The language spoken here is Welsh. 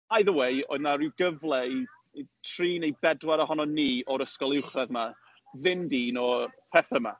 Either way oedd 'na ryw gyfle i i tri neu bedwar ohonon ni, o'r ysgol uwchradd 'ma, fynd i un o pethe 'ma.